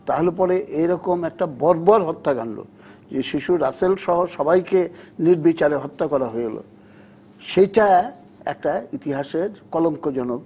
তাহলে পরে এইরকম একটা বর্বর হত্যাকাণ্ড শিশু রাসেল সহ সবাইকে নির্বিচারে হত্যা করা হলো সেটা একটা ইতিহাসের কলঙ্কজনক